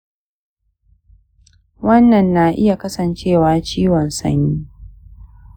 wannan na iya kasancewa ciwon sanyi